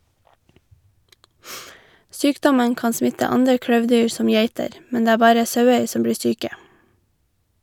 Sykdommen kan smitte andre klauvdyr som geiter, men det er bare sauer som blir syke.